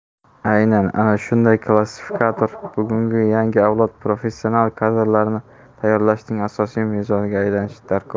aynan ana shunday klassifikator bugungi yangi avlod professional kadrlarini tayyorlashning asosiy mezoniga aylanishi darkor